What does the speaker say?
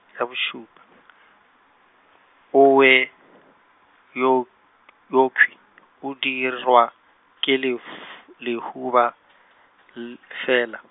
ya bošupa, o we eu- ,, o dirwa ke lef-, lehufa, l- fela.